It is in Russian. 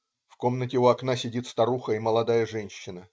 В комнате у окна сидят старуха и молодая женщина.